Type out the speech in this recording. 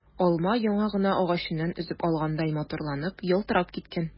Алма яңа гына агачыннан өзеп алгандай матурланып, ялтырап киткән.